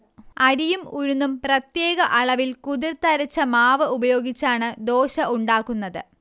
അരിയും ഉഴുന്നും പ്രത്യേക അളവിൽ കുതിർത്തരച്ച മാവ് ഉപയോഗിച്ചാണ് ദോശ ഉണ്ടാക്കുന്നത്